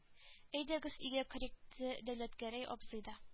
Әйдәгез өйгә керик диде дәүләтгәрәй абзый да